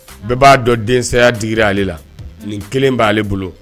Bɛɛ b'a dɔn denya digira ale la nin kelen b'aale bolo